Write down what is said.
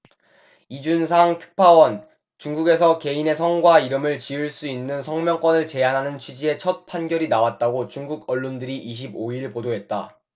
이준삼 특파원 중국에서 개인의 성과 이름을 지을 수 있는 성명권을 제한하는 취지의 첫 판결이 나왔다고 중국언론들이 이십 오 일 보도했다